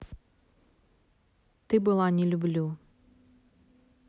ты была не люблю